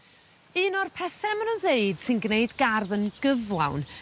Un o'r pethe ma' nw'n ddeud sy'n gneud gardd yn gyflawn